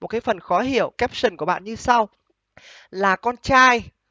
một cái phần khó hiểu cáp sừn của bạn như sau là con trai